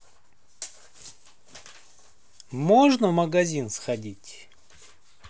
можно в магазин сходить